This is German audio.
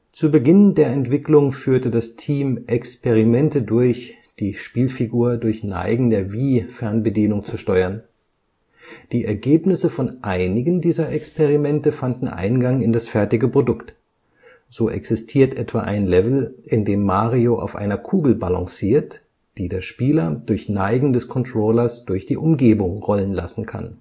Zu Beginn der Entwicklung führte das Team Experimente durch, die Spielfigur durch Neigen der Wii-Fernbedienung zu steuern. Die Ergebnisse von einigen dieser Experimente fanden Eingang in das fertige Produkt. So existiert etwa ein Level, in dem Mario auf einer Kugel balanciert, die der Spieler durch Neigen des Controllers durch die Umgebung rollen lassen kann